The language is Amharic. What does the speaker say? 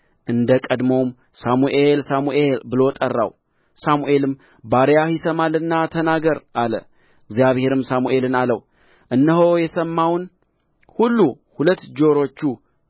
እንደ ቀድሞውም ሳሙኤል ሳሙኤል ብሎ ጠራው ሳሙኤልም ባሪያህ ይሰማልና ተናገር አለው እግዚአብሔርም ሳሙኤልን አለው እነሆ የሰማውን ሁሉ ሁለቱ ጆሮቹ